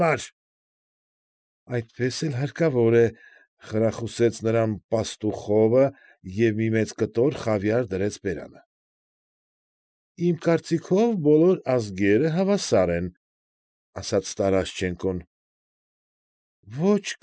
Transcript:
Համար։ ֊ Այդպես էլ հարկավոր է,֊ խրախուսեց նրան Պաստուխովը և մի մեծ կտոր խավիար դրեց բերանը։ ֊ Իմ կարծիքով, բոլոր ազգերը հավասար են,֊ ասաց Տարաշչենկոն։ ֊ Ո՛չ,